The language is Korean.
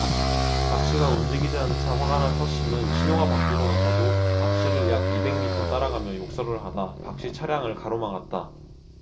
박씨가 움직이지 않자 화가 난 서씨는 신호가 바뀌고 나서도 박씨를 약 이백 미터 따라가며 욕설을 하다 박씨 차량을 가로막았다